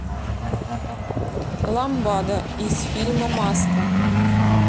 ламбада из фильма маска